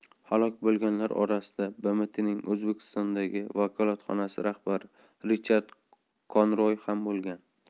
halok bo'lganlar orasida bmtning o'zbekistondagi vakolatxonasi rahbari richard konroy ham bo'lgan